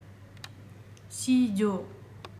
ཞེས བརྗོད